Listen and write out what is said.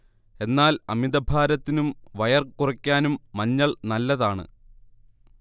എന്നാൽ അമിതഭാരത്തിനും വയർ കുറക്കാനും മഞ്ഞൾ നല്ലതാണ്